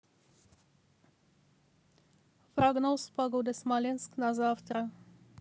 прогноз погоды смоленск на завтра